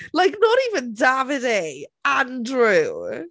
Like, not even Davide... Andrew.